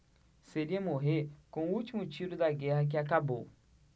seria morrer com o último tiro da guerra que acabou